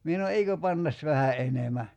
minä sanoin eikö panna vähän enemmän